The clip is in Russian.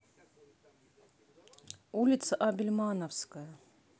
улица абельмановская